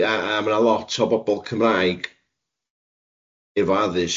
A- a-, ma' 'na lot o bobl Cymraeg efo addysg